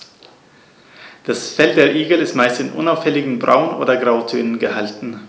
Das Fell der Igel ist meist in unauffälligen Braun- oder Grautönen gehalten.